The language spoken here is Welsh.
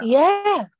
Ie!